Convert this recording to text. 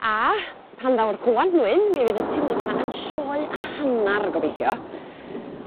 A pan ddaw'r Gwanwyn mi fydd y tulips 'na yn sioe a hannar gobeithio.